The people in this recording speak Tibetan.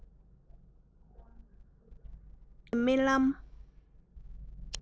རྩེན པའི རྨི ལམ